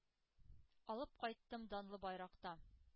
Алып кайттым данлы байракта